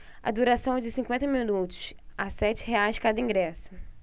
a duração é de cinquenta minutos a sete reais cada ingresso